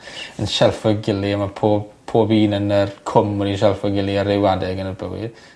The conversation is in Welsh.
yn shelffo'u gily a ma' po- pob un yn y cwm wedi shelffo'u gily ar ryw adeg yn y bywy'